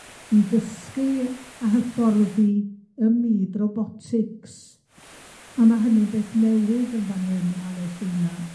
i ddysgu a hyfforddi ym myd robotics, a ma' hynny'n beth newydd yn fan hyn ym Mhalesteina.